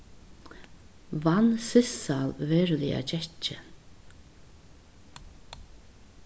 vann sissal veruliga gekkin